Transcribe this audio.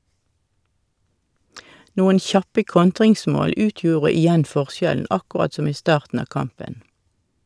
Noen kjappe kontringsmål utgjorde igjen forskjellen, akkurat som i starten av kampen.